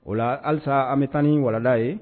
O la halisa an bɛ tan ni wara ye